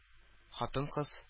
Хатын-кыз